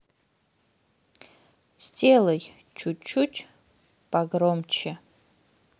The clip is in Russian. сделай чуть чуть погромче